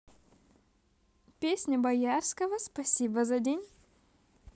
песня боярского спасибо за день